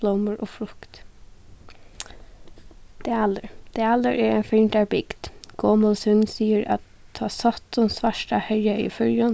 blómur og frukt dalur dalur er ein fyrndarbygd gomul søgn sigur at tá sóttin svarta herjaði í føroyum